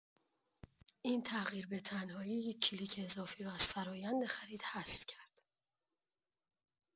این تغییر به‌تنهایی یک کلیک اضافی را از فرآیند خرید حذف کرد.